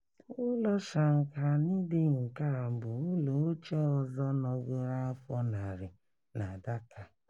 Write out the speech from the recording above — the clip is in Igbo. Ụlọ ShankhaNidhi Nke a bụ ụlọ ochie ọzọ nọgoro afọ narị na Dhaka.